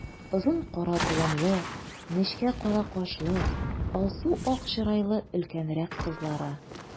Озын кара толымлы, нечкә кара кашлы, алсу-ак чырайлы өлкәнрәк кызлары.